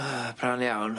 Yy brân iawn.